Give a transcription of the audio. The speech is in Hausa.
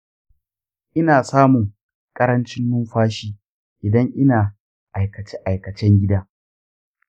ina samun ƙarancin numfashi idan ina aikace aikacen gida.